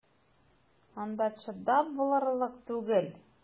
Анда чыдап булырлык түгел!